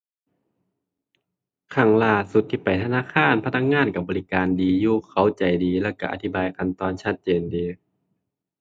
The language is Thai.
ครั้งล่าสุดที่ไปธนาคาร พนักงานก็บริการดีอยู่ เขาใจดี แล้วก็อธิบายขั้นตอนชัดเจนดี